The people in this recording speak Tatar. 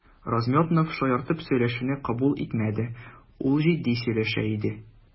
Размётнов шаяртып сөйләшүне кабул итмәде, ул җитди сөйләшә иде.